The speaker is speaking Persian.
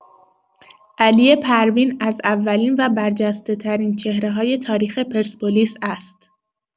علی پروین از اولین و برجسته‌ترین چهره‌های تاریخ پرسپولیس است.